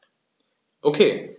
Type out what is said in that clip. Okay.